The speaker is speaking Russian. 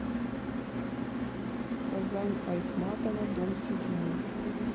казань айтматова дом седьмой